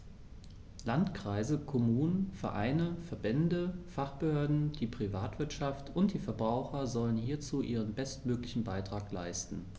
Landkreise, Kommunen, Vereine, Verbände, Fachbehörden, die Privatwirtschaft und die Verbraucher sollen hierzu ihren bestmöglichen Beitrag leisten.